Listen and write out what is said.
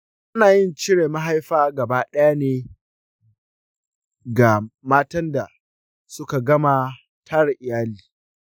ana yin cire mahaifa gaba ɗaya ne ga matan da suka gama tara iyali.